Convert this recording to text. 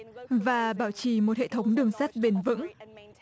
và bảo trì một hệ thống đường sắt bền vững